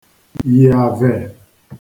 yi àvè